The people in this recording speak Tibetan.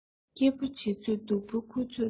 སྐྱིད པོ བྱེད ཚོད སྡུག པོའི འཁུར ཚོད དང